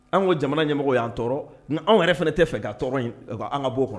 Anw ko jamana ɲɛmɔgɔ y'an tɔɔrɔ anw yɛrɛ fana tɛ fɛ ka tɔɔrɔ in ka an ka b'o kɔnɔ